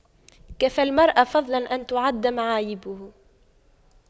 كفى المرء فضلا أن تُعَدَّ معايبه